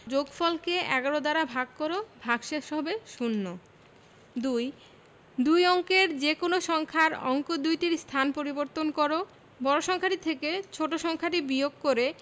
যোগফল কে ১১ দ্বারা ভাগ কর ভাগশেষ হবে শূন্য ২ দুই অঙ্কের যেকোনো সংখ্যার অঙ্ক দুইটির স্থান পরিবর্তন কর বড় সংখ্যাটি থেকে ছোট সংখ্যাটি বিয়োগ করে